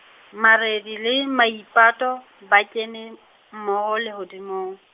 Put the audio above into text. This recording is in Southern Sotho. Maredi le Maipato, ba kene, mmoho lehodimong.